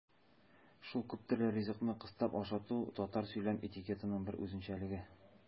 Шул күптөрле ризыкны кыстап ашату татар сөйләм этикетының бер үзенчәлеге.